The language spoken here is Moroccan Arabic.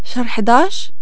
شهر حضاش